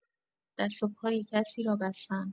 دست و پای کسی را بستن